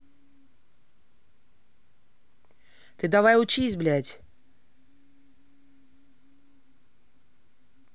ты давай учись блять